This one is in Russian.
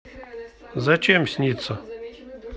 зачем снится